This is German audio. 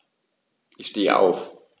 Ich stehe auf.